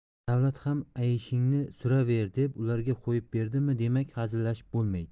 davlat ham ayshingni suraver deb ularga qo'yib beribdimi demak hazillashib bo'lmaydi